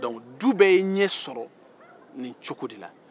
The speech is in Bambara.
donke du bɛɛ ye ɲɛ sɔrɔ nin cogo de la